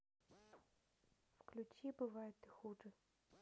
включи бывает и хуже